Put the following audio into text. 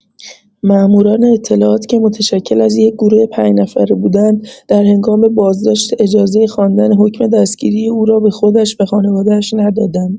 مامورین اطلاعات که متشکل از یک گروه ۵ نفره بودند در هنگام بازداشت اجازه خواندن حکم دستگیری او را به خودش و خانواده‌اش ندادند.